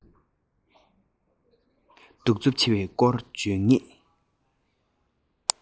སྡུག རྩུབ ཆེ བའི སྐོར བརྗོད ངེས